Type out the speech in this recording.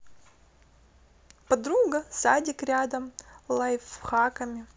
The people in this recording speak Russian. подруга садик рядом лайфхаками